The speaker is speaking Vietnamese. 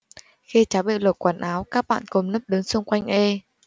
khi cháu bị lột quần áo các bạn cùng lớp đứng xung quanh ê